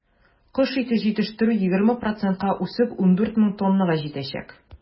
Кош ите җитештерү, 20 процентка үсеп, 14 мең тоннага җитәчәк.